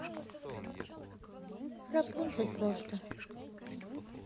рапунцель просто